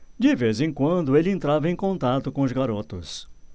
de vez em quando ele entrava em contato com os garotos